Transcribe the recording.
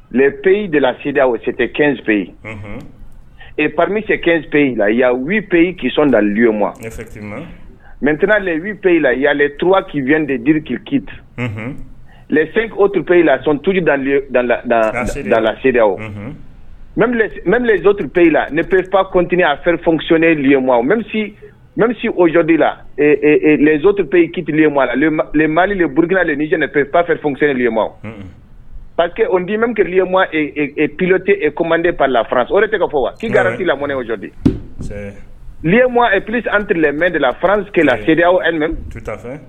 P yyi delasidida o sete kɛ fɛ yen pamese kɛnp yen la vpyi kisɔn daliy ma mɛtlenpiy i la yale tu kiiy de jirikiri kitu lɛ o tupi i la son tuuru da dalaseda o lɛotupiyi la ni perep kot a fɛse lilenma mɛ misisi ozodi la zo tɛpiyi kitelilen ma mali de burukla de niɛnɛ pep fɛ fsenyɛnlima pa di kema plote ko manden pa la fran o de tɛ ka fɔ wai gari lam mɔnɛdi p anti la mɛ de lala sedi aw